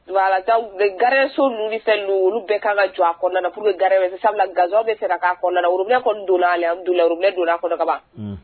Don ala bɛ gaɛrɛso ninnu bɛ olu bɛ kan ka jɔ a kɔnɔna olu garanɛrɛ sisan gaz bɛ se kɔnɔnabiya donbu don kɔnɔ kaban